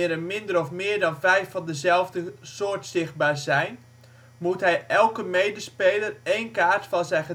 minder of meer dan 5 van dezelfde soort zichtbaar zijn) moet hij elke medespeler één kaart van zijn gedekte